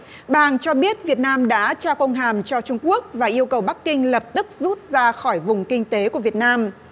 bà hằng cho biết việt nam đã trao công hàm cho trung quốc và yêu cầu bắc kinh lập tức rút ra khỏi vùng kinh tế của việt nam